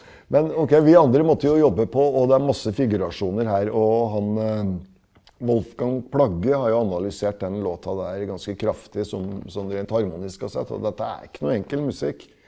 men ok vi andre måtte jo jobbe på og det er masse figurasjoner her og han Wolfgang Plagge har jo analysert den låta der ganske kraftig sånn sånn rent harmonisk sett, og dette er ikke noe enkel musikk.